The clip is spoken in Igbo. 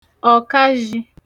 ọ̀kazhị̄